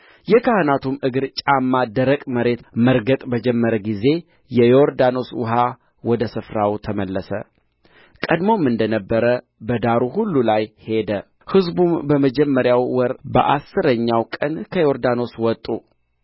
የካህናቱም እግር ጫማ ደረቅ መሬት መርገጥ በጀመረ ጊዜ የዮርዳኖስ ውኃ ወደ ስፍራው ተመለሰ ቀድሞም እንደ ነበረ በዳሩ ሁሉ ላይ ሄደ ሕዝቡም በመጀመሪያው ወር በአሥረኛው ቀን ከዮርዳኖስ ወጡ